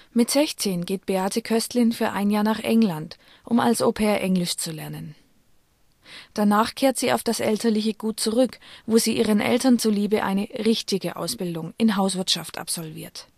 Mit 16 geht Beate Köstlin für ein Jahr nach England, um als Au-Pair Englisch zu lernen. Danach kehrt sie auf das elterliche Gut zurück, wo sie ihren Eltern zuliebe eine " richtige " Ausbildung (in Hauswirtschaft) absolviert